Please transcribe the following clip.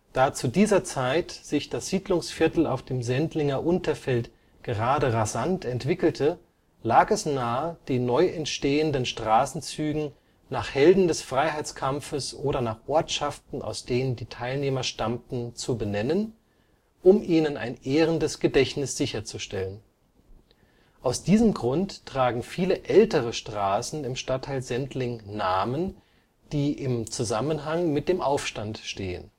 Da zu dieser Zeit sich das Siedlungsviertel auf dem Sendlinger Unterfeld gerade rasant entwickelte, lag es nahe, die neu entstehenden Straßenzüge nach Helden des Freiheitskampfes oder nach Ortschaften, aus denen die Teilnehmer stammten, zu benennen, um ihnen ein ehrendes Gedächtnis sicherzustellen. Aus diesem Grund tragen viele ältere Straßen im Stadtteil Sendling Namen, die im Zusammenhang mit dem Aufstand stehen